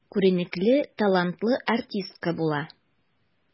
Күренекле, талантлы артистка була.